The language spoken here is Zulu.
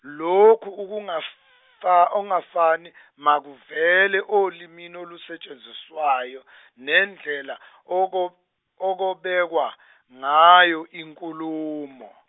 lokhu ukungafa- ukungefani makuvele olimini olusetshenziswayo , nendlela oko- okubekwa , ngayo inkulumo.